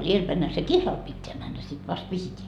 edelläpäinhän se kihlalle pitää mennä sitten vasta vihitään